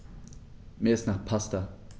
Mir ist nach Pasta.